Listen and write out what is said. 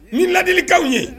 N ladilikaw ye